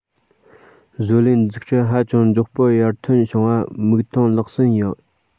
བཟོ ལས འཛུགས སྐྲུན ཧ ཅང མགྱོགས པོར ཡར ཐོན བྱུང བ མིག མཐོང ལག ཟིན ཡིན